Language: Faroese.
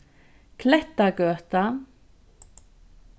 klettagøta